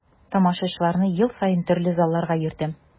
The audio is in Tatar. Тамашачыларны ел саен төрле залларга йөртәм.